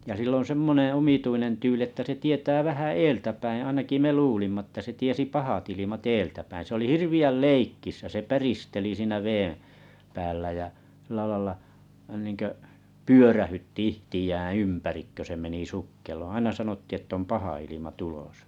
ja sillä on semmoinen omituinen tyyli että se tietää vähän edeltäpäin ainakin me luulimme että se tiesi pahat ilmat edeltäpäin se oli hirveän leikkisä se päristeli siinä päällä ja sillä lailla niin kuin pyörähdytti itseään ympäri kun se meni sukkeloon aina sanottiin että on paha ilma tulossa